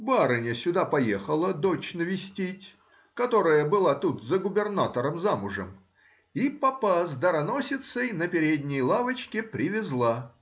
барыня сюда поехала дочь навестить, которая была тут за губернатором замужем, и попа с дароносицей на передней лавочке привезла.